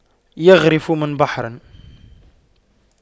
يَغْرِفُ من بحر